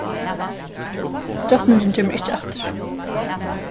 drotningin kemur ikki aftur